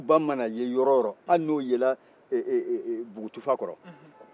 olu ba mana ye yɔrɔ o yɔrɔ hali n'o yera eee bugutufa kɔrɔ